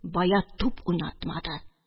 Бая туп уйнатмады.